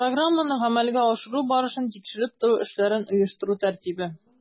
Программаны гамәлгә ашыру барышын тикшереп тору эшләрен оештыру тәртибе